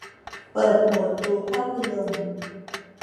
เปิดโหมดดูภาพยนตร์